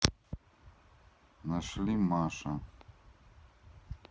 нашли маша